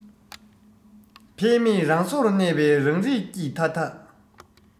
འཕེལ མེད རང སོར གནས པའི རང རིགས ཀྱི མཐའ དག